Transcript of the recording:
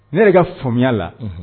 Ne yɛrɛ ka faamuyaya la